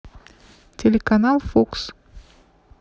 телеканал фокс